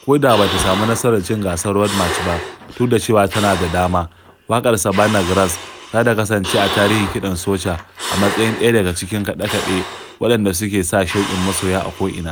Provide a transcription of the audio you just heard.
Ko da ba ta samu nasarar cin gasar Road March ba (duk da cewa tana da dama!), waƙar "Saɓannah Grass" za ta kasance a tarihin kiɗan soca a matsayin ɗaya daga cikin kaɗe-kaɗe waɗanda suke sa shauƙin masoya a ko'ina.